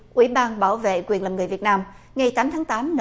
ủy ban bảo vệ quyền lợi người việt nam ngày tám tháng tám